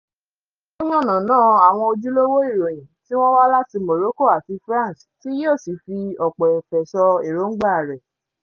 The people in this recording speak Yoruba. Ó yànnàná àwọn ojúlówó ìròyìn tí wọ́n wá láti Morocco àti France tí yóò sì fi ọ̀pọ̀ ẹ̀fẹ̀ sọ èròńgbà rẹ̀.